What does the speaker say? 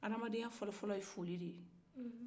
adamadenya fɔlɔ fɔlɔ ye foli de ye